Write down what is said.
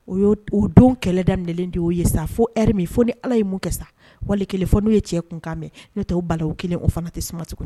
O y o don kɛlɛ daminɛ de y'o ye sa fo e min fo ni ala ye mun kɛ sa wali kelen fɔ n'o ye cɛ kunkan n'o taa u kelen o fana te tasumama tuguni